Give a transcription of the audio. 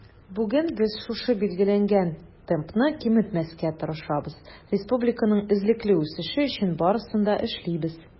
Бүген без шушы билгеләнгән темпны киметмәскә тырышабыз, республиканың эзлекле үсеше өчен барысын да эшлибез.